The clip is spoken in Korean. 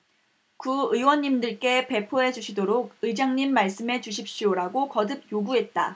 구의원님들께 배포해 주시도록 의장님 말씀해 주십시오라고 거듭 요구했다